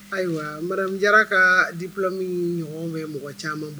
Ayiwa n baraja ka diti min ɲɔgɔn bɛ mɔgɔ caman bɔ